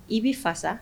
I bɛ fasa.